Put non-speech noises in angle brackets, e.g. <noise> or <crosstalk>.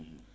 <hesitation> <hesitation>